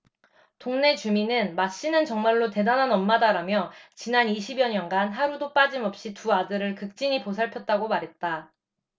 동네 주민은 마씨는 정말로 대단한 엄마다라며 지난 이십 여년간 하루도 빠짐없이 두 아들을 극진히 보살폈다고 말했다